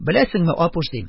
Беләсеңме, апуш, дим.